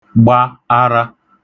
gba ara